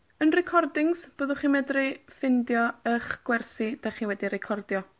Yn Recordings, byddwch chi medru ffindio 'ych gwersi 'dych chi wedi recordio.